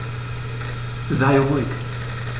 Sei ruhig.